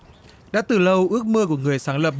đã từ lâu ước mơ của người sáng lập